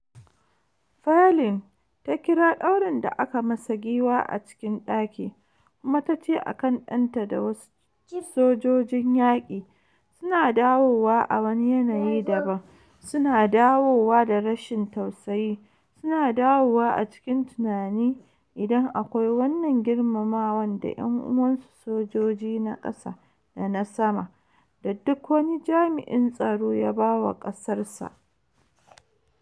Palin ta kira ɗaurin da aka masa “Giwa a cikin ɗaki” kuma ta ce akan ɗanta da wasu sojojin yaki, “su na dawowa a wani yanayi daban, su na dawowa da rashin tausayi, su na dawowa a cikin tunanin idan akwai wannan girmamawan da yan’uwansu sojoji na kasa da na sama, da duk wani jam’in tsaro ya ba wa kasar sa.”